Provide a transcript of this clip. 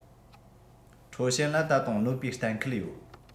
ཁྲའོ ཞན ལ ད དུང གནོད པའི གཏན འཁེལ ཡོད